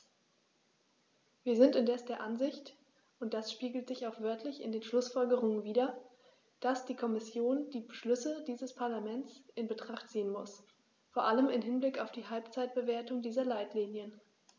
Wir sind indes der Ansicht und das spiegelt sich auch wörtlich in den Schlussfolgerungen wider, dass die Kommission die Beschlüsse dieses Parlaments in Betracht ziehen muss, vor allem im Hinblick auf die Halbzeitbewertung dieser Leitlinien.